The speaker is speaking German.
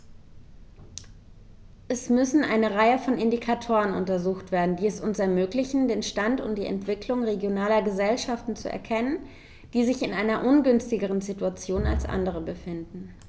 Es müssen eine Reihe von Indikatoren untersucht werden, die es uns ermöglichen, den Stand und die Entwicklung regionaler Gesellschaften zu erkennen, die sich in einer ungünstigeren Situation als andere befinden.